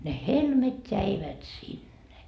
ne helmet jäivät sinne